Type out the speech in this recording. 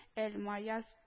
Әл-маясс